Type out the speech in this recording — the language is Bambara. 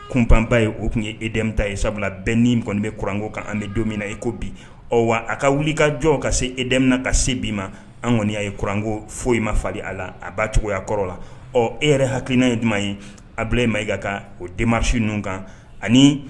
Kunpba ye o tun ye e de ta ye sabula bɛɛ ni kɔniɔni bɛ kurangoko kan an bɛ don min na e ko bi ɔ wa a ka wuli ka jɔ ka se edmina ka se bi ma an kɔniya ye kurango foyi in ma fali a la a ba cogoyaya kɔrɔ la ɔ e yɛrɛ hakilikilina ye tuma in a bila e ma e ka ka o denmasi ninnu kan ani